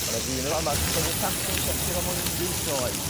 ma' 'na ddyn y' fama sy'n tyfu' tatws yn curo mewn unrhyw sioe.